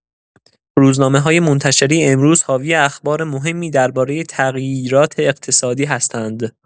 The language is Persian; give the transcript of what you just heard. روزنامه‌های منتشره امروز حاوی اخبار مهمی درباره تغییرات اقتصادی هستند.